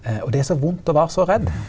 og det er så vondt å vera så redd.